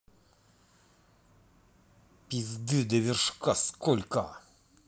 пизды до вершка сколько